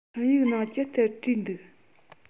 འཕྲིན ཡིག ནང ཅི ལྟར བྲིས འདུག